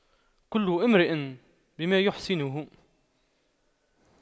كل امرئ بما يحسنه